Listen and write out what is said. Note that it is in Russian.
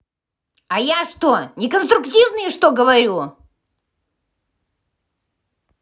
а я что не конструктивные что говорю